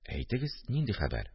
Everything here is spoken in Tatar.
– әйтегез, нинди хәбәр